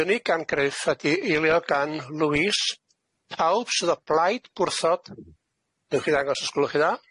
gynnig gan Gruff a 'di eilio gan Lewis pawb sydd o blaid bwrthod dewch i ddangos os gwelwch chi dda.